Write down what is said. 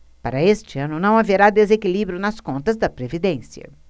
para este ano não haverá desequilíbrio nas contas da previdência